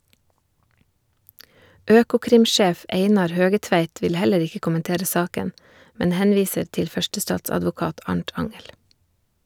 Økokrim-sjef Einar Høgetveit vil heller ikke kommentere saken, men henviser til førstestatsadvokat Arnt Angell.